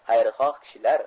xayrixoh kishilar